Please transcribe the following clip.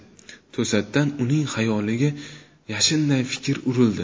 to'satdan uning xayoliga yashinday fikr urildi